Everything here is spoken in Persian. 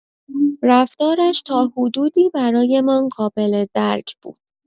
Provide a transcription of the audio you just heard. رفتارش تا حدودی برایمان قابل‌درک بود.